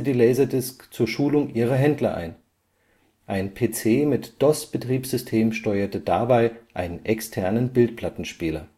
Laserdisc zur Schulung ihrer Händler ein. Ein PC mit DOS-Betriebssystem steuerte dabei einen externen Bildplattenspieler